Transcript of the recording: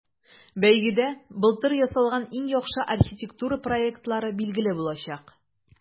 Бәйгедә былтыр ясалган иң яхшы архитектура проектлары билгеле булачак.